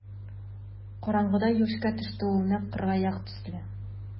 Караңгыда юешкә төште ул нәкъ кыргаяк төсле.